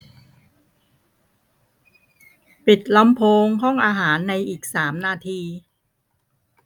ปิดลำโพงห้องอาหารในอีกสามนาที